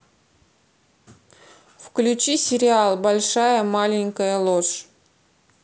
включи сериал большая маленькая ложь